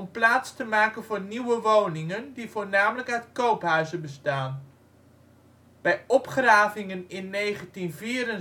plaats te maken voor nieuwe woningen die voornamelijk uit koophuizen bestaan. Bij opgravingen in 1964